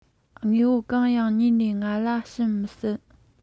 དངོས པོ གང ཡང ཉོ ནས ང ལ བྱིན མི སྲིད